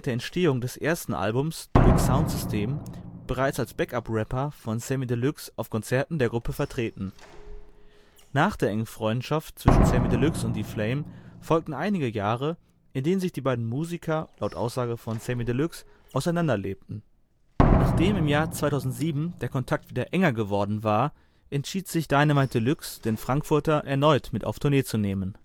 Entstehung des ersten Albums Deluxe Soundsystem bereits als Back-Up-Rapper von Samy Deluxe auf Konzerten der Gruppe vertreten. Nach der engen Freundschaft zwischen Samy Deluxe und D-Flame folgten einige Jahre, in denen sich die beiden Musiker, laut Aussage von Samy Deluxe, auseinanderlebten. Nachdem im Jahr 2007 der Kontakt wieder enger geworden war, entschied sich Dynamite Deluxe den Frankfurter erneut mit auf Tournee zu nehmen